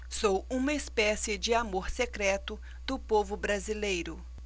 sou uma espécie de amor secreto do povo brasileiro